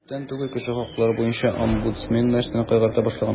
Күптән түгел кеше хокуклары буенча омбудсмен нәрсәне кайгырта башлаган?